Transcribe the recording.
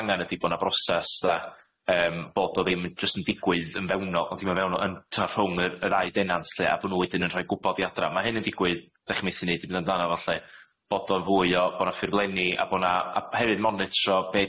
angan ydi bo' na broses de yym bod o ddim jyst yn digwydd yn fewnol ond dim yn fewnol yn t'o' rhwng yr y ddau denants lly a bo' nw wedyn yn rhoi gwbod i Adra ma' hyn yn digwydd dychmythu ni di mynd amdano fo lly bod o'n fwy o bo' na fffurfleni a monitro be